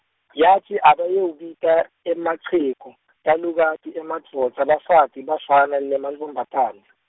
yatsi abayewubita emachegu , talukati, emadvodza, bafati, bafana nemantfombatana.